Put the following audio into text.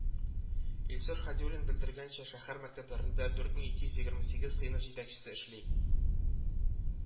Илсур Һадиуллин белдергәнчә, шәһәр мәктәпләрендә дүрт мең ике йөз егерме сигез сыйныф җитәкчесе эшли